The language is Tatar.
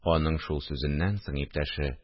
Аның шул сүзеннән соң иптәше: